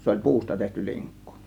se oli puusta tehty linkku